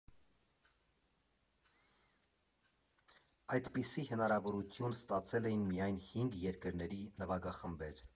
Այդպիսի հնարավորություն ստացել էին միայն հինգ երկրների նվագախմբեր։